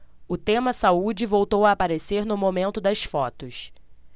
o tema saúde voltou a aparecer no momento das fotos